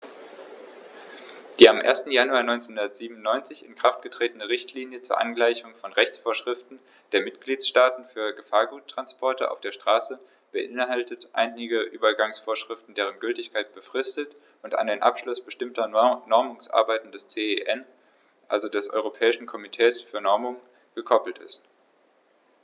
Die am 1. Januar 1997 in Kraft getretene Richtlinie zur Angleichung von Rechtsvorschriften der Mitgliedstaaten für Gefahrguttransporte auf der Straße beinhaltet einige Übergangsvorschriften, deren Gültigkeit befristet und an den Abschluss bestimmter Normungsarbeiten des CEN, also des Europäischen Komitees für Normung, gekoppelt ist.